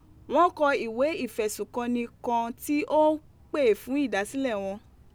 Wọ́n kọ ìwé ìfẹ̀sùnkànni kan tí ó ń pè fún ìdásílẹ̀ wọn